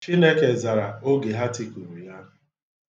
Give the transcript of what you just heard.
Chineke zara oge ha tikuru ya.